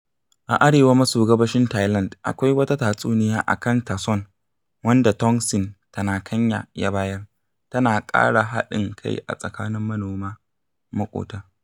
A arewa maso gabashin Thailand, akwai wata tatsuniya a kan Ta Sorn wadda Tongsin Tanakanya ya bayar, tana ƙara haɗin kai a tsakanin manoma maƙota.